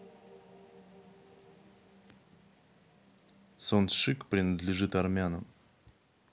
sonchyk принадлежит армянам